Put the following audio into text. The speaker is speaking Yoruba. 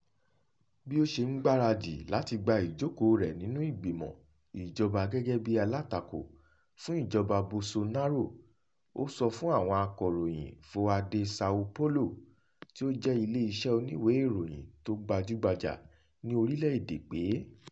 Bí ó ṣe ń gbaradì láti gba ìjókòó rẹ̀ nínú ìgbìmọ̀ ìjọba gẹ́gẹ́ bí alátakò fún ìjọba Bolsonaro, ó sọ fún àwọn akọ̀ròyìn Folha de São Paulo, tí ó jẹ́ ilé iṣẹ́ oníwèé ìròyìn tó gbajúgbajà ní orílẹ̀-èdè pé: